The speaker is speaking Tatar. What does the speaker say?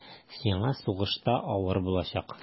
Сиңа сугышта авыр булачак.